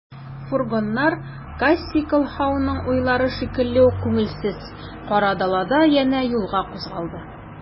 Фургоннар Кассий Колһаунның уйлары шикелле үк күңелсез, кара далада янә юлга кузгалды.